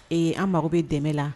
Ee an mago bɛ dɛmɛ la